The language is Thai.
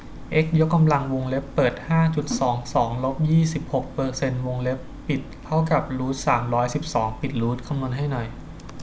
เอ็กซ์ยกกำลังวงเล็บเปิดห้าจุดสองสองลบยี่สิบหกเปอร์เซนต์วงเล็บปิดเท่ากับรูทสามร้อยสิบสองจบรูทคำนวณให้หน่อย